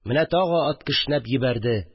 Менә тагы ат кешнәп җибәрде